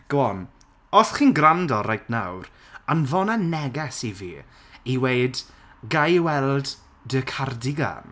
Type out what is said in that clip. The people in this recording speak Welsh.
Go on os chi'n gwrando reit nawr anfona neges i fi i weud "ga i weld dy cardigan"